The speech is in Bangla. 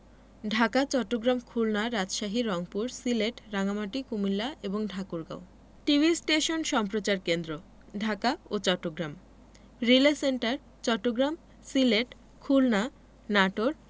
ঢাকা চট্টগ্রাম খুলনা রাজশাহী রংপুর সিলেট রাঙ্গামাটি কুমিল্লা এবং ঠাকুরগাঁও টিভি স্টেশন সম্প্রচার কেন্দ্রঃ ঢাকা ও চট্টগ্রাম রিলে সেন্টার চট্টগ্রাম সিলেট খুলনা নাটোর